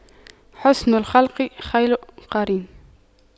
حُسْنُ الخلق خير قرين